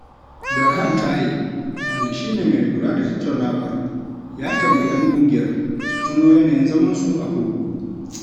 Berhan Taye, wanda shi ne mai lura da tattaunawar, ya tambayi 'yan ƙungiyar su tuno yanayin zamansu a kurkuku.